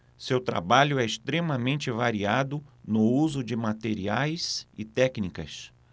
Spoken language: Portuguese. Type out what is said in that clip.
seu trabalho é extremamente variado no uso de materiais e técnicas